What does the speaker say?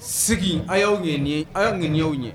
Sigi a y'aw ye nin ye aw y' ŋ' ɲɛ